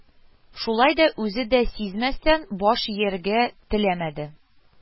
Шулай да, үзе дә сизмәстән, баш ияргә теләмәде